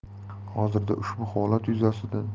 hozirda ushbu holat yuzasidan